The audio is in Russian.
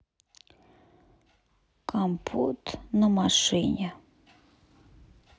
компот на машине